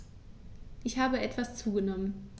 Ich habe etwas zugenommen